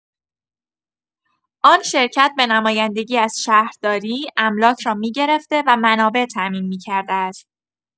آن شرکت به نمایندگی از شهرداری، املاک را می‌گرفته و منابع تامین می‌کرده است.